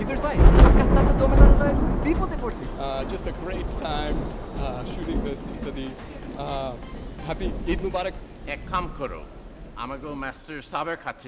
ইদ্রিস ভাই আক্কাস চাচা জমিলা রে নিয়া খুব বিপদে পড়ছে just a great time shooting this ইত্যাদি হ্যাপি ঈদ মোবারক এক কাম করো আমাগো মাস্টার সাব এর কাছে